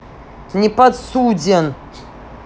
неподсуден